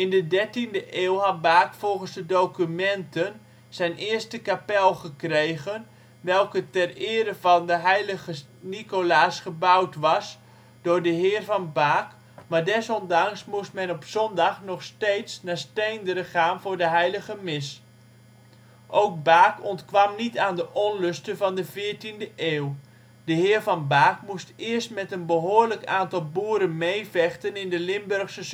de 13e eeuw had Baak volgens de documenten zijn eerste kapel gekregen, welke ten ere van de Heilige Nicolaas gebouwd was door de Heer van Baak, maar desondanks moest men op zondag noch steeds naar Steenderen gaan voor de Heilige Mis. Ook Baak ontkwam niet aan de onlusten van de 14e eeuw. De Heer van Baak moest eerst met een behoorlijk aantal boeren meevechten in de Limburgse